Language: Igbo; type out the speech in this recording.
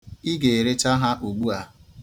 Ị ga-erecha ha ugbua.